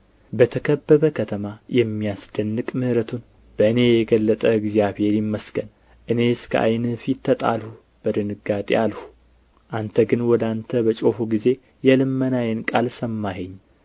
በተከበበ ከተማ የሚያስደንቅ ምሕረቱን በእኔ የገለጠ እግዚአብሔር ይመስገን እኔስ ከዓይንህ ፊት ተጣልሁ በድንጋጤ አልሁ አንተ ግን ወደ አንተ በጮኽሁ ጊዜ የልመናዬን ቃል ሰማኸኝ